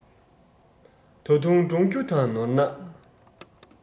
ད དུང འབྲོང ཁྱུ དང ནོར གནག